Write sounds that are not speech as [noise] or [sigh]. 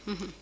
[hesitation] [hesitation]